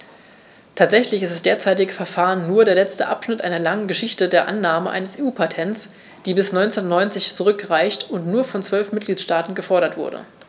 Tatsächlich ist das derzeitige Verfahren nur der letzte Abschnitt einer langen Geschichte der Annahme eines EU-Patents, die bis 1990 zurückreicht und nur von zwölf Mitgliedstaaten gefordert wurde.